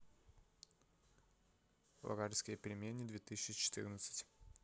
уральские пельмени две тысячи четырнадцать